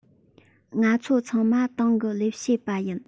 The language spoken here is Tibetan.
ང ཚོ ཚང མ ཏང གི ལས བྱེད པ ཡིན